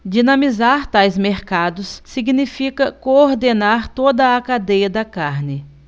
dinamizar tais mercados significa coordenar toda a cadeia da carne